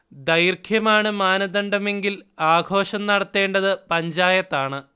ദൈർഘ്യമാണ് മാനദണ്ഡമെങ്കിൽ ആഘോഷം നടത്തേണ്ടത് പഞ്ചായത്താണ്